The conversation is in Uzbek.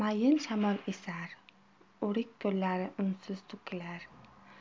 mayin shamol esar o'rik gullari unsiz to'kilar